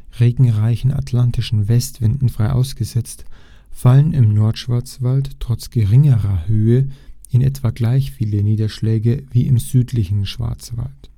Regenreichen atlantischen Westwinden frei ausgesetzt, fallen im Nordschwarzwald trotz geringerer Höhe in etwa gleich viele Niederschläge wie im Südlichen Schwarzwald